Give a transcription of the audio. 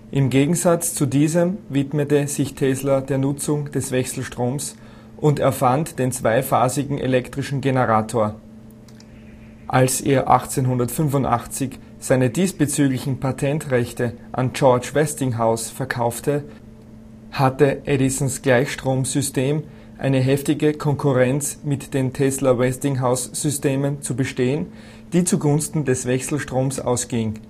Im Gegensatz zu diesem widmete sich Tesla der Nutzung des Wechselstroms und erfand den zweiphasigen elektrischen Generator. Als er 1885 seine diesbezüglichen Patentrechte an George Westinghouse verkaufte, hatte Edisons Gleichstromsystem eine heftige Konkurrenz mit den Tesla-Westinghouse-Systemen zu bestehen, die zugunsten des Wechselstroms ausging